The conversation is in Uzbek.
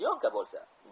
lyonka bo'lsa